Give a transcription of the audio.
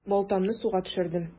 Балтамны суга төшердем.